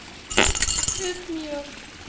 Hilf mir!